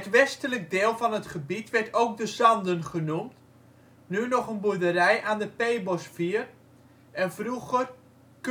westelijk deel van het gebied werd ook De Zanden genoemd (nu nog een boerderij aan de Peebos 4) en vroeger Curringerzand